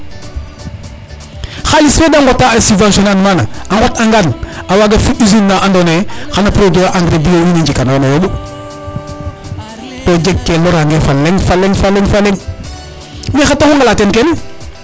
xalis fe de ngota a subvention ne an mana a ŋot angan a waga fi usine na ando naye xana produit a engrais BIO wiin we njikano yo no yombu to jeg ke lorange fa leŋ fa leŋ fa leŋ mais xa taxu ŋalate kene